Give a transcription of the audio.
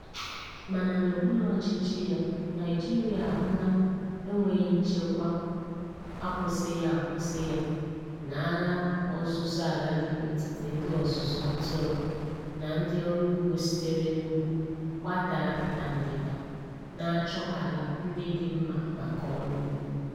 Mana, n'okpuru ọchịchị ya, Naịjirịa ahụla enweghị nchekwa akwụsịghị akwụsị ya na agha ọzụzọ ala dị n'etiti ndị ọzụzụ atụrụ na ndị ọrụ ugbo sitere n'ugwu gbadaa na ndịda na-achọ ala ndị dị mma maka ọrụ ugbo.